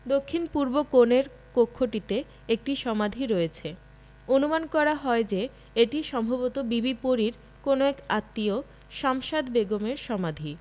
দক্ষিণপূর্ব কোণের কক্ষটিতে একটি সমাধি রয়েছে অনুমান করা হয় যে এটি সম্ভবত বিবি পরীর কোন এক আত্মীয় শামশাদ বেগমের সমাধি